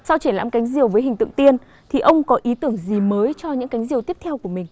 sau triển lãm cánh diều với hình tượng tiên thì ông có ý tưởng gì mới cho những cánh diều tiếp theo của mình